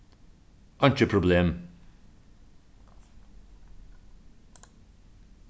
einki problem